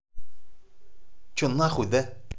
че нахуй да